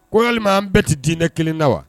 Ko walima an bɛɛ tɛ diinɛ kelen na wa